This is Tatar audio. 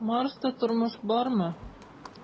"марста тормыш бармы?"